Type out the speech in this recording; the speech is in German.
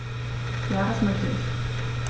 Ja, das möchte ich.